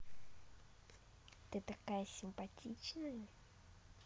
ты такая симпатичная